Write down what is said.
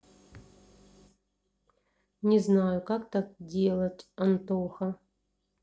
не знаю как так делать антоха